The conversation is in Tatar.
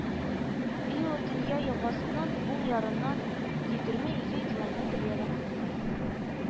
Иоутынья елгасының уң ярыннан егерме ике километр ераклыкта